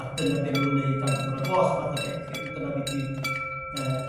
a dyna be' ma' nhw'n 'neud am bedwar o' gloch math o beth i- dyna beth yw yrr